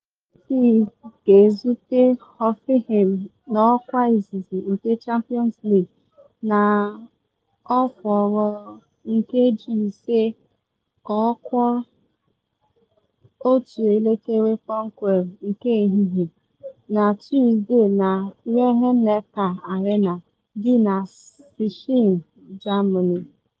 City ga-ezute Hoffenheim n’ọkwa izizi nke Champions League na 12:55 ehihie, na Tusde na Rhein-Neckar-Arena dị na Sinsheim, Germany.